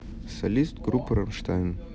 солист группы rammstein